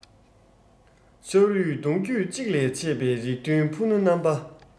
ཤ རུས གདོང རྒྱུད གཅིག ལས ཆད པའི རིགས མཐུན ཕུ ནུ རྣམས པ